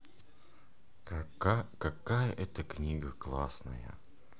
мел гибсон